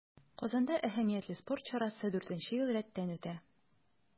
Казанда әһәмиятле спорт чарасы дүртенче ел рәттән үтә.